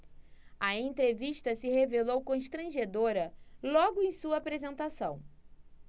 a entrevista se revelou constrangedora logo em sua apresentação